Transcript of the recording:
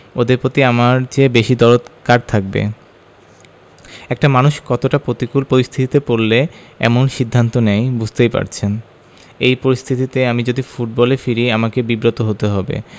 ওদের প্রতি আমার চেয়ে বেশি দরদ কার থাকবে একটা মানুষ কতটা প্রতিকূল পরিস্থিতিতে পড়লে এমন সিদ্ধান্ত নেয় বুঝতেই পারছেন এই পরিস্থিতিতে আমি যদি ফুটবলে ফিরি আমাকে বিব্রত হতে হবে